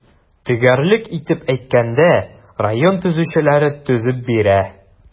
Төгәлрәк итеп әйткәндә, район төзүчеләре төзеп бирә.